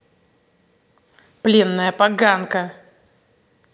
пленная поганка